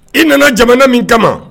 I nana jamana min kama